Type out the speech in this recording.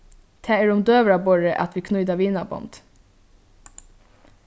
tað er um døgurðaborðið at vit knýta vinabond